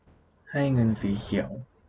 ให้เงินสีเขียว